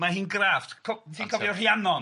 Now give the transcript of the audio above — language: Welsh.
Ma' hi'n grafft co- ti'n cofio Rhiannon?